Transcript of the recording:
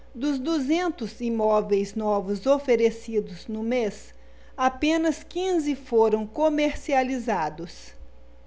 dos duzentos imóveis novos oferecidos no mês apenas quinze foram comercializados